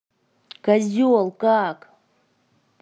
козел как